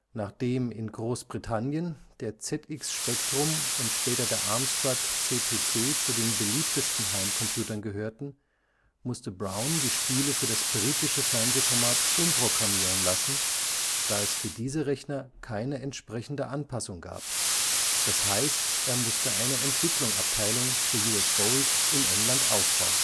Nachdem in Großbritannien der ZX Spectrum und später der Amstrad CPC zu den beliebtesten Heimcomputern gehörten, musste Brown die Spiele für das britische Fernsehformat umprogrammieren lassen, da es für diese Rechner keine entsprechende Anpassung gab, d.h. er musste eine Entwicklung-Abteilung für U.S. Gold in England aufbauen